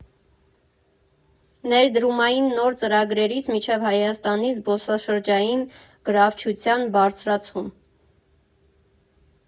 Ներդրումային նոր ծրագրերից մինչև Հայաստանի զբոսաշրջային գրավչության բարձրացում.